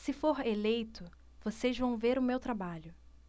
se for eleito vocês vão ver o meu trabalho